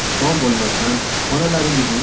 xufton bo'lmasdan onalaringizning